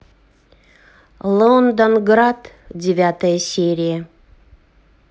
лондонград девятая серия